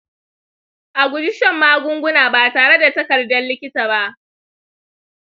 a guji shan magunguna ba tare da takardar likita ba.